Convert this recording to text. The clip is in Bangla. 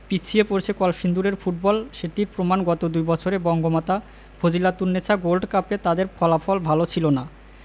পিছিয়ে পড়ছে কলসিন্দুরের ফুটবল সেটির প্রমাণ গত দুই বছরে বঙ্গমাতা ফজিলাতুন্নেছা গোল্ড কাপে তাদের ফলাফল ভালো ছিল না